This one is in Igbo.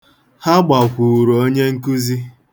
Ha gbakwuuru onye nkụzi.